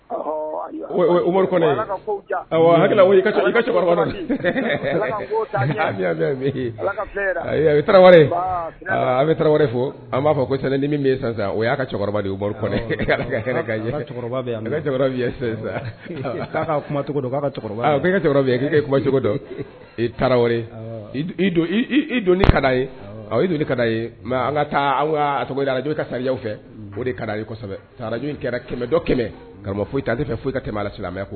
An fɔ'a fɔ ni min ye o y'a kumacogo kuma dɔn ka a don kaa ye mɛ an ka taa aw' ka sa fɛ o de kaj kɛra kɛmɛ dɔ kɛmɛ karamɔgɔ foyi ta fɛ foyi ka tɛmɛ la silamɛ